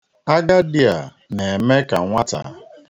Agadi a na-eme ka nwata.